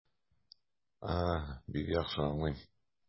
А, бик яхшы аңлыйм.